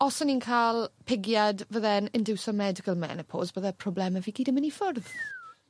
os o'n i'n ca'l pigiad fydde'n indiwso medical menopause bydde probleme fi gyd yn myn' i ffwrdd.